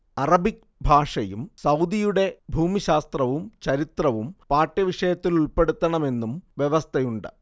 Arabic ഭാഷയും സൗദിയുടെ ഭൂമിശാസ്ത്രവും ചരിത്രവും പാഠ്യവിഷയത്തിലുൾപ്പെടുത്തണമെന്നും വ്യവസ്ഥയുണ്ട്